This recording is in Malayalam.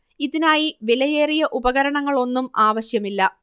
ഇതിനായി വിലയേറിയ ഉപകരണങ്ങളൊന്നും ആവശ്യമില്ല